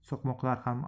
s'oqmoqlar ham